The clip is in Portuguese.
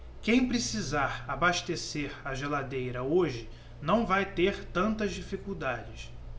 quem precisar abastecer a geladeira hoje não vai ter tantas dificuldades